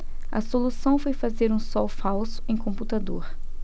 a solução foi fazer um sol falso em computador